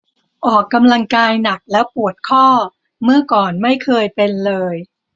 ออกกำลังกายหนักแล้วปวดข้อเมื่อก่อนไม่เคยเป็นเลย